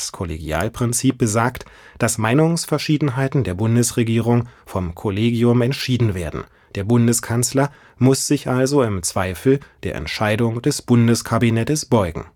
Kollegialprinzip besagt, dass Meinungsverschiedenheiten der Bundesregierung vom Kollegium entschieden werden; der Bundeskanzler muss sich also im Zweifel der Entscheidung des Bundeskabinetts beugen